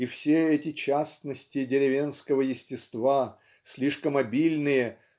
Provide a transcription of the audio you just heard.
и все эти частности деревенского естества слишком обильные